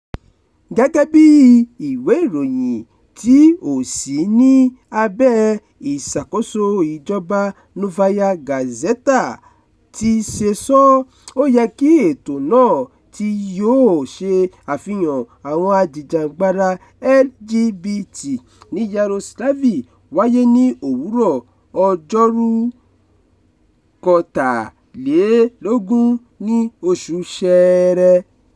Gẹ́gẹ́ bí ìwé ìròyìn tí ò sí ní abẹ́ ìṣàkóso ìjọba Novaya Gazeta ti ṣe sọ, ó yẹ kí ètò náà tí yóò ṣe àfihàn àwọn ajìjàǹgbara LGBT ní Yaroslavl wáyé ní òwúrọ̀ Ọjọ́rú 23, ní oṣù Ṣẹẹrẹ.